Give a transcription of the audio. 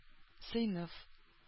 Сыйныф